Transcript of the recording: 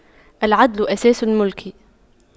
العدل أساس الْمُلْك